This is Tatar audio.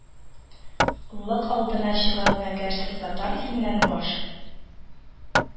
Лык алдына чыгып: «әгәр сез «татар» исеменнән баш